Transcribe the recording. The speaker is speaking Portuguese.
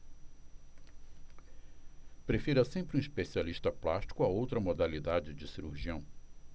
prefira sempre um especialista plástico a outra modalidade de cirurgião